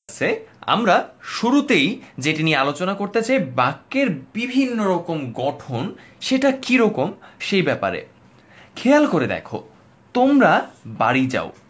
ক্লাসে আমরা শুরুতে যেটি নিয়ে আলোচনা করতে চাই বাক্যের বিভিন্ন রকম গঠন সেটা কি রকম সেই ব্যাপারে খেয়াল করে দেখো তোমরা বাড়ি যাও